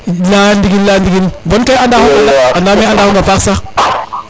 leya ndigil leya ndigil bon koy anda xong xaƴa andame anda xonga paax sax